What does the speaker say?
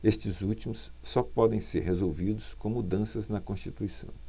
estes últimos só podem ser resolvidos com mudanças na constituição